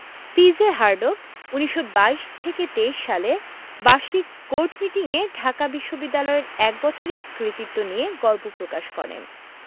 P J Hartog ১৯২২ থেকে ২৩ সালে বার্ষিক কোর্ট মিটিং এ ঢাকা বিশ্ববিদ্যালয়ের এক বছরের কৃতিত্ব নিয়ে গর্ব প্রকাশ করেন